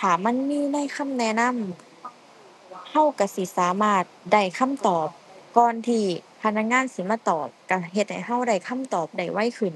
ถ้ามันมีในคำแนะนำ เราเราสิสามารถได้คำตอบก่อนที่พนักงานสิมาตอบเราเฮ็ดให้เราได้คำตอบได้ไวขึ้น